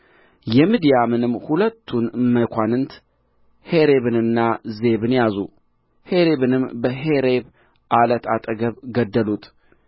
የምድያምን ሁለቱን መኳንንት ሔሬብንና ዜብን ያዙ ሔሬብንም በሔሬብ ዓለት አጠገብ ገደሉት